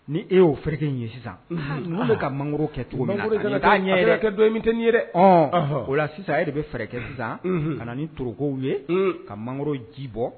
Ni e y'o fɛrɛke ye sisan ne ka mangoro kɛ cogo ɲɛ kɛ dont n ye dɛ o la sisan yɛrɛ de bɛ fɛɛrɛ kɛ sisan a ni tourukow ye ka mangoro ji bɔ